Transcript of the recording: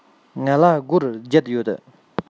ང ལ སྒོར བརྒྱད ཡོད